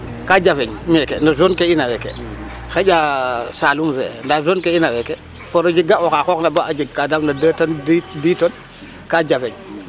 Pour o ga' oxa jegna a camion a aareer ka jafeñ meeke no zone ke in meeke xaƴa salum fe ndaa zone ke in weeke pour o ga' oxa xoox ba jeg ka daawna 10 tonnes ka jafeñ.